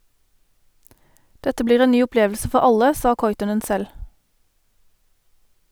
Dette blir en ny opplevelse for alle, sa Kuitunen selv.